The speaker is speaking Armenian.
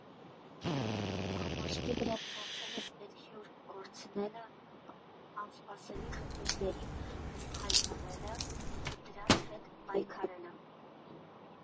Քո մաշկի վրա զգացել ես էդ հյուր կորցնելը, անսպասելի խնդիրների հայտնվելը, դրանց հետ պայքարելը։